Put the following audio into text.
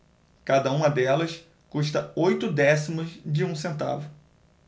cada uma delas custa oito décimos de um centavo